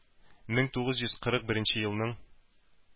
Мең тугыз йөз кырык беренче елның